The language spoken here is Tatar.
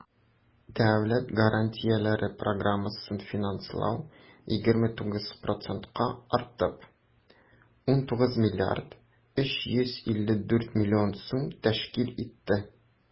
Дәүләт гарантияләре программасын финанслау 29 процентка артып, 19 млрд 354 млн сум тәшкил итте.